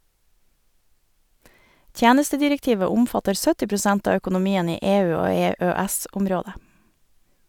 - Tjenestedirektivet omfatter 70 prosent av økonomien i EU og EØS-området.